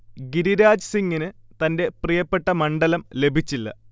ഗിരിരാജ് സിംഗിന് തൻറെ പ്രിയപ്പെട്ട മണ്ഡലം ലഭിച്ചില്ല